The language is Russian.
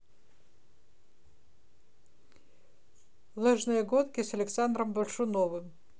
лыжные гонки с александром большуновым